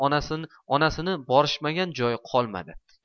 onasini borishmagan joyi qolmadi